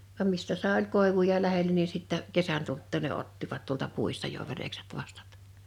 vaan mistä sai oli koivuja lähellä niin sitten kesän tultua ne ottivat tuolta puista jo verekset vastat